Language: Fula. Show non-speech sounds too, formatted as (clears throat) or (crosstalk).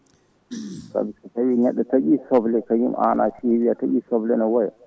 (clears throat) par ce que so tawi neɗɗo taaƴi soble kañum an siwi an a taaƴi soble ene wooya